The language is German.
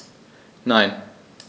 Nein.